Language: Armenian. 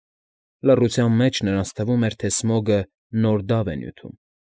Լռության մեջ նրանց թվում էր, թե Սմոգը նոր դավ է նյութում։